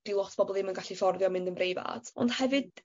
'di lot o bobol ddim yn gallu fforddio mynd yn breifat ond hefyd